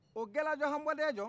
o gɛlajɔ hamɔ dɛjɔ